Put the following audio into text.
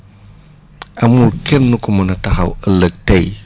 amul kenn ku mun a taxaw ëlleg tey